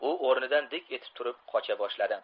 u o'rnidan dik etib turib qocha boshladi